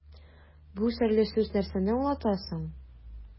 Бу серле сүз нәрсәне аңлата соң?